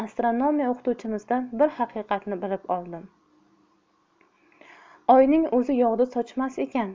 astronomiya o'qituvchimizdan bir haqiqatni bilib oldim oyning o'zi yog'du sochmas ekan